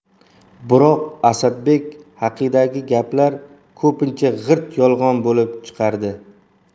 biroq asadbek haqidagi gaplar ko'pincha g'irt yolg'on bo'lib chiqadi